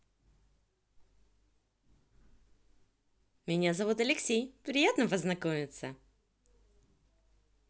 меня зовут алексей приятно познакомиться